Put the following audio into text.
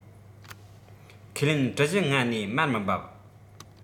ཁས ལེན གྲི བཞི ལྔ ནས མར མི འབབ